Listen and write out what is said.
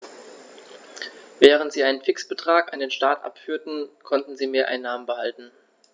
Während sie einen Fixbetrag an den Staat abführten, konnten sie Mehreinnahmen behalten.